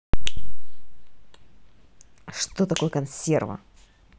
что такое консерва